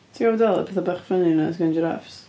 Ti'n gwbod be dwi'n feddwl, y pethau bach funny 'na 'sgen jiráffs?